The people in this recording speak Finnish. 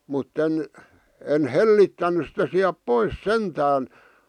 mutta en en hellittänyt sitä sieltä pois sentään